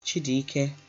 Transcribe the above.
Chidike